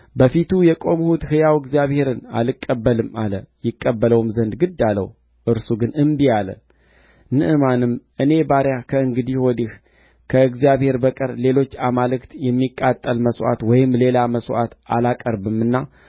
መጥቶም በፊቱ ቆመና እነሆ ከእስራኤል ዘንድ በቀር በምድር ሁሉ አምላክ እንደሌለ አወቅሁ አሁንም ከባሪያህ በረከት ትቀበል ዘንድ እለምንሃለሁ አለ እርሱም